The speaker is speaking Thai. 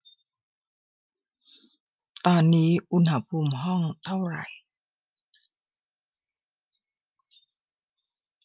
ตอนนี้อุณหภูมิห้องเท่าไหร่